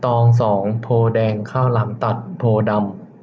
ตองสองโพธิ์แดงข้าวหลามตัดโพธิ์ดำ